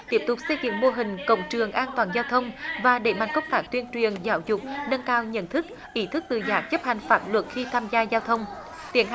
tiếp tục xây dựng mô hình cổng trường an toàn giao thông và đẩy mạnh công tác tuyên truyền giáo dục nâng cao nhận thức ý thức tự giác chấp hành pháp luật khi tham gia giao thông tiến